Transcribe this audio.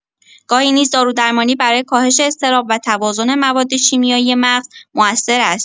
گاهی نیز دارودرمانی برای کاهش اضطراب و توازن مواد شیمیایی مغز مؤثر است.